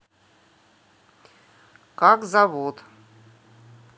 как зовут